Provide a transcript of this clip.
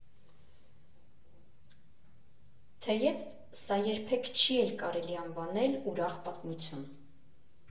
Թեև սա երբեք չի էլ կարելի անվանել ուրախ պատմություն։